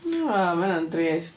Na, ma' hynna'n drist.